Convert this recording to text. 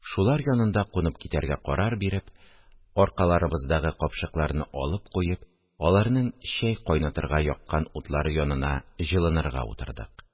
Шулар янында кунып китәргә карар биреп, аркаларыбыздагы капчыкларны алып куеп, аларның чәй кайнатырга яккан утлары янына җылынырга утырдык